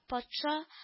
Патша